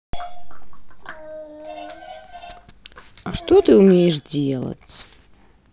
а что ты умеешь делать